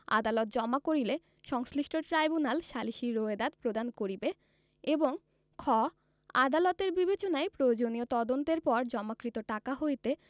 আদালত জমা করিলে সংশ্লিষ্ট ট্রাইব্যুনাল সালিসী বোয়েদাদ প্রদান করিবে এবং খ আদালতের বিবেচনায় প্রয়োজনীয় তদন্তের পর জমাকৃত টাকা হইতে